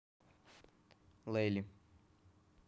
лейли